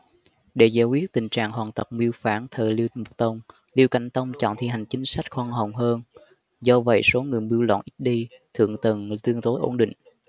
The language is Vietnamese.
để giải quyết tình trạng hoàng tộc mưu phản thời liêu mục tông liêu cảnh tông chọn thi hành chính sách khoan hồng hơn do vậy số người mưu loạn ít đi thượng tầng tương đối ổn định